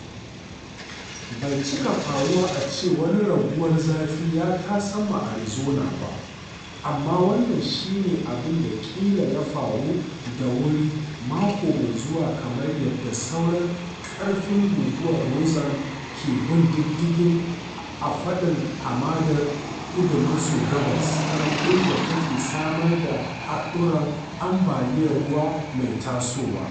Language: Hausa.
Bai cika faruwa a ce wani raguwar zafi ya tasamma Arizona ba, amma wannan shi ne abin da ƙila ya faru da wuri mako mai zuwa kamar yadda sauran ƙarfin Guguwar Rosan ke bin diddigi a faɗin Hamadar Kudu-maso-gabas, inda take samar da haɗuran ambaliyar ruwa mai tasowa.